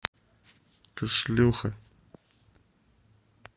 ты шлюха